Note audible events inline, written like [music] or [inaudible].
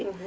[hesitation] [hesitation]